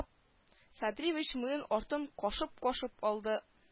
Садриевич муен артын кашыпкашып алды